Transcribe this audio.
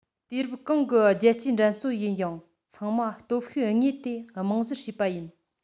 དུས རབས གང གི རྒྱལ སྤྱིའི འགྲན རྩོད ཡིན ཡང ཚང མ སྟོབས ཤུགས དངོས དེ རྨང གཞིར བྱས པ ཡིན